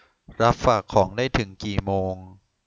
รับฝากของได้ถึงกี่โมง